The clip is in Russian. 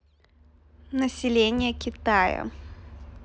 население китая